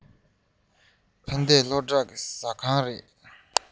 ཕ གི སློབ ཕྲུག གི ཟ ཁང རེད